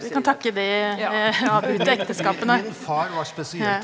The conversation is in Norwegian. vi kan takke de avbrutte ekteskapene, ja.